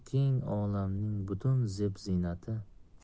butun zeb ziynati